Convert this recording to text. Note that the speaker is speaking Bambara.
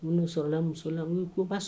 U' sɔrɔla la muso la'a sɔrɔ